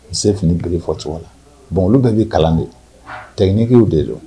N se fini bi fɔ cogo la bon bɛɛ bɛ kalan de tɛgew de don